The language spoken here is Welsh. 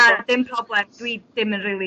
Na dim problem dwi dim yn rili